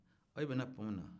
e bɛ na tuma min